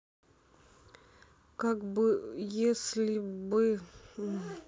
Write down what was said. как бы если бы